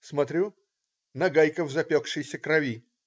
Смотрю: нагайка в запекшейся крови.